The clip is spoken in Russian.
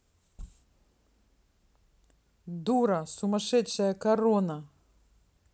дура сумасшедшая корона